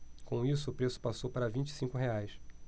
com isso o preço passou para vinte e cinco reais